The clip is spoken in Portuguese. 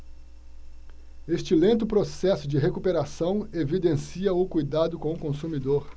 este lento processo de recuperação evidencia o cuidado com o consumidor